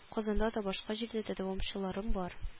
Казанда да башка җирдә дә дәвамчыларым бар